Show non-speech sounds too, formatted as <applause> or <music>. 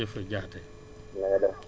<hesitation> jërëjëf Diakhaté